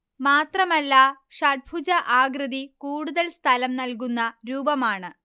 മാത്രമല്ല ഷഡ്ഭുജ ആകൃതി കൂടുതൽ സ്ഥലം നൽകുന്ന രൂപമാണ്